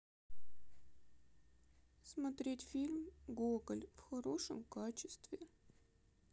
смотреть фильм гоголь в хорошем качестве